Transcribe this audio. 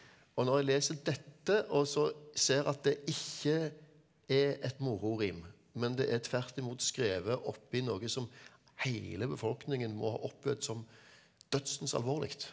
og når jeg leser dette og så ser at det ikke er et mororim, men det er tvert imot skrevet oppi noe som heile befolkningen må ha opplevd som dødsens alvorlig,